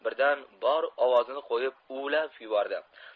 birdan bor ovozini qo'yib uvlab yubordi